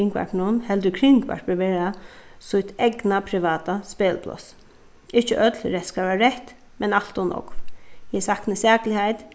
kringvarpinum heldur kringvarpið vera sítt egna privata spælipláss ikki øll rætt skal vera rætt men alt ov nógv eg sakni sakligheit